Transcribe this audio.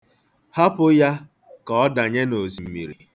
Hapụ ya ka ọ danye na osimiri.